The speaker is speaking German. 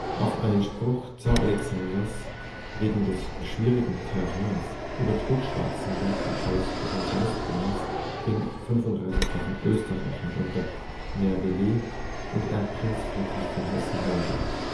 Auf Einspruch Zar Alexanders wegen des schwierigen Terrains übertrug Schwarzenberg die Ausführung seines Plans den 35.000 Österreichern unter Merveldt und Erbprinz Friedrich von Hessen-Homburg